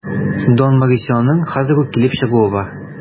Дон Морисионың хәзер үк килеп чыгуы бар.